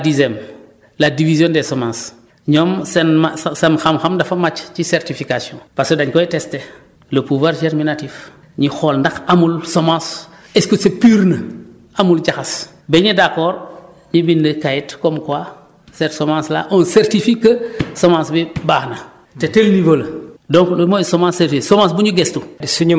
surtout la Disem la division des semences ñoom seen ma seen xam-xam dafa màcc ci certification parce que dañu koy testé le pouvoir germinatif ñu xool ndax amul semence est ce que sax pure na amul jaxas ba ñee d' accord ñu bind këyit comme quoi cette semence là on certifie que semence bii baax na te tel niceau la donc loolu mooy semence certifiée semence bu ñu gëstu